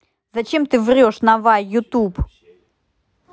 зачем ты врешь navai youtube